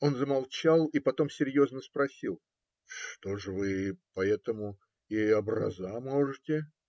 Он замолчал и потом серьезно спросил: - Что ж, вы поэтому и образа можете?